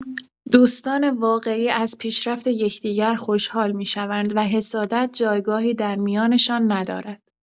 دوستان واقعی از پیشرفت یکدیگر خوشحال می‌شوند و حسادت جایگاهی در میانشان ندارد.